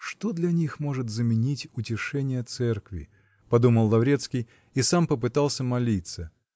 "Что для них может заменить утешения церкви?" -- подумал Лаврецкий и сам попытался молиться